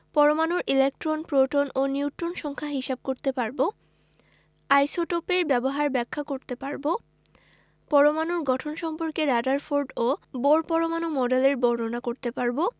পরমাণুর electron proton ও neutron সংখ্যা হিসাব করতে পারব আইসোটোপের ব্যবহার ব্যাখ্যা করতে পারব পরমাণুর গঠন সম্পর্কে রাদারফোর্ড ও বোর পরমাণু মডেলের বর্ণনা করতে পারব